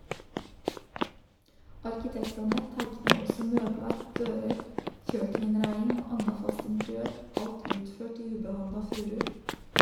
Arkitektane teikna også møblar, dører, kjøkeninnreiing og anna fast interiør, alt utført i ubehandla furu.